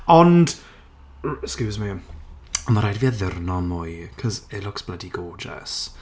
Ond 'scuse me. Ma' raid i fi addurno mwy, 'cause, it looks bloody gorgeous.